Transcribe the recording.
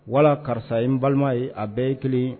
Wala karisa ye balima ye a bɛɛ ye kelen